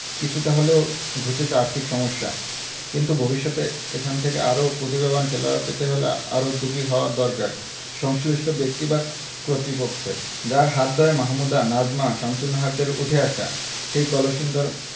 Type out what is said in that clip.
কিছুটা হলেও ঘুচেছে আর্থিক সমস্যা কিন্তু ভবিষ্যতে এখান থেকে আরও প্রতিভাবান খেলোয়াড় পেতে হলে আরও উদ্যোগী হওয়া দরকার সংশ্লিষ্ট ব্যক্তি বা কর্তৃপক্ষের যাঁর হাত ধরে মাহমুদা নাজমা শামসুন্নাহারদের উঠে আসা সেই কলসিন্দুর